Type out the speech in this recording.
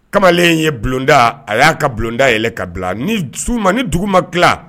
Kamalen in ye bulonda a y'a ka bulonda yɛlɛ ka bila ni su ma ni dugu ma dilan